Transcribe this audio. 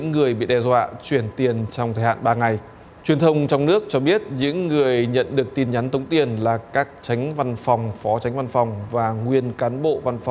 những người bị đe dọa chuyển tiền trong thời hạn ba ngày truyền thông trong nước cho biết những người nhận được tin nhắn tống tiền là các chánh văn phòng phó chánh văn phòng và nguyên cán bộ văn phòng